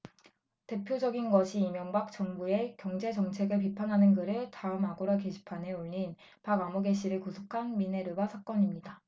대표적인 것이 이명박 정부의 경제정책을 비판하는 글을 다음 아고라 게시판에 올린 박아무개씨를 구속한 미네르바 사건입니다